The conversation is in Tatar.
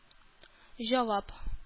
Җавап